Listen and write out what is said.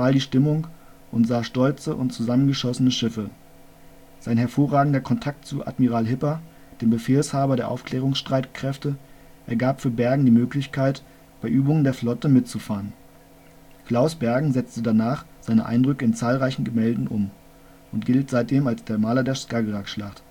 die Stimmung und sah „ stolze “und zusammengeschossene Schiffe. Sein hervorragender Kontakt zu Admiral Hipper, dem Befehlshaber der Aufklärungsstreitkräfte, ergab für Bergen die Möglichkeit, bei Übungen der Flotte mitzufahren. Claus Bergen setzte danach seine Eindrücke in zahlreichen Gemälde um und gilt seitdem als der Maler der Skagerrakschlacht